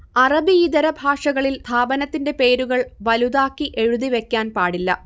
അറബിയിതര ഭാഷകളിൽ സ്ഥാപനത്തിന്റെ പേരുകൾ വലുതാക്കി എഴുതി വെക്കാൻ പാടില്ല